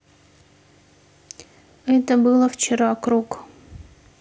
это было вчера круг